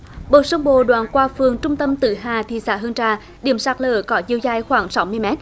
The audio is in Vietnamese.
bờ sông bồ đoạn qua phường trung tâm tử hà thị xã hương trà điểm sạt lở có chiều dài khoảng sáu mươi mét